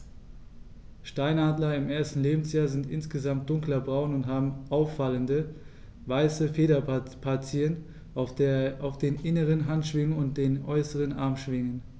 Steinadler im ersten Lebensjahr sind insgesamt dunkler braun und haben auffallende, weiße Federpartien auf den inneren Handschwingen und den äußeren Armschwingen.